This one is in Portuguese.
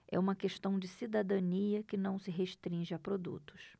é uma questão de cidadania que não se restringe a produtos